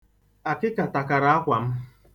Akịka takara akwa m.